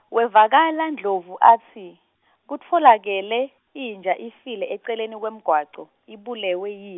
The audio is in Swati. wevakala Ndlovu atsi, kutfolakele, inja ifile eceleni kwemgwaco, ibulewe yi-.